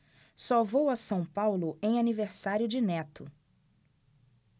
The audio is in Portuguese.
só vou a são paulo em aniversário de neto